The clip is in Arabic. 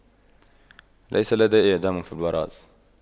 ليس لدي اي دم في البراز